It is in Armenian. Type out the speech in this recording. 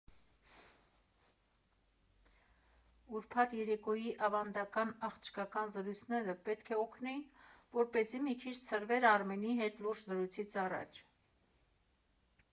Ուրբաթ երեկոյի ավանդական աղջկական զրույցները պետք է օգնեին, որպեսզի մի քիչ ցրվեր Արմենի հետ լուրջ զրույցից առաջ։